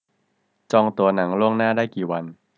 จองตั๋วหนังล่วงหน้าได้กี่วัน